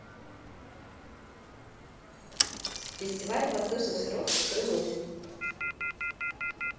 фестиваль воздушных шаров в крыму